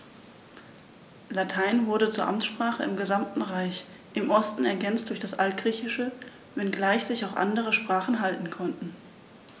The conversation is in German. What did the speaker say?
Latein wurde zur Amtssprache im gesamten Reich (im Osten ergänzt durch das Altgriechische), wenngleich sich auch andere Sprachen halten konnten.